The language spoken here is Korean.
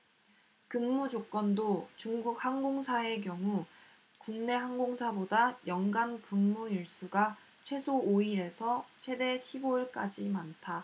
근무조건도 중국 항공사의 경우 국내 항공사보다 연간 근무 일수가 최소 오 일에서 최대 십 오 일까지 많다